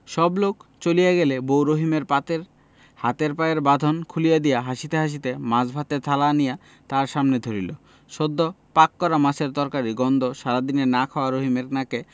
সবলোক চলিয়া গেলে বউ রহিমের হাতের পায়ের বাঁধন খুলিয়া দিয়া হাসিতে হাসিতে মাছ ভাতের থালা আনিয়া তাহার সামনে ধরিল সদ্য পাক করা মাছের তরকারির গন্ধ সারাদিনের না খাওয়া রহিমের নাকে